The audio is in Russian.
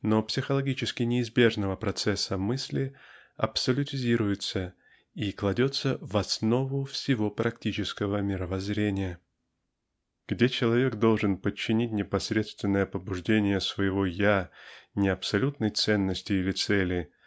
но психологически неизбежного процесса мысли -- абсолютизируется и кладется в основу всего практического мировоззрения Где человек должен подчинить непосредственные побуждения своего "я" не абсолютной ценности или цели